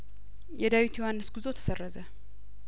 የዳዊት ዮሀንስ ጉዞ ተሰረዘ